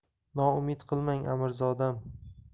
noumid qilmang amirzodam